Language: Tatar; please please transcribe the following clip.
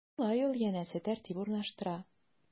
Шулай ул, янәсе, тәртип урнаштыра.